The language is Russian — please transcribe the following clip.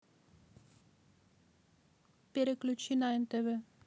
переключи на нтв